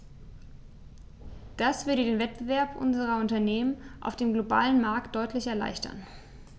Das würde den Wettbewerb unserer Unternehmen auf dem globalen Markt deutlich erleichtern.